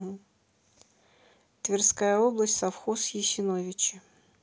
тверская область совхоз есиновичи